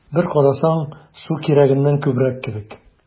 Бер карасаң, су кирәгеннән күбрәк кебек: